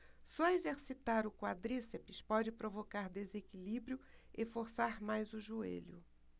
só exercitar o quadríceps pode provocar desequilíbrio e forçar mais o joelho